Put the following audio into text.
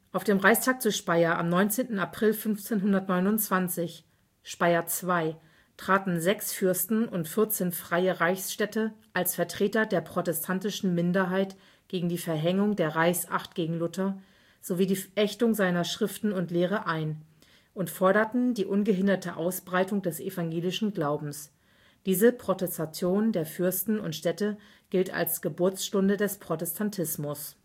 Auf dem Reichstag zu Speyer am 19. April 1529 (Speyer II) traten sechs Fürsten und vierzehn Freie Reichsstädte als Vertreter der protestantischen Minderheit gegen die Verhängung der Reichsacht gegen Luther sowie die Ächtung seiner Schriften und Lehre ein und forderten die ungehinderte Ausbreitung des evangelischen Glaubens. Diese Protestation der Fürsten und Städte gilt als Geburtsstunde des Protestantismus